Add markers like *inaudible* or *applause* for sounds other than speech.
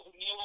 *hesitation* *hesitation*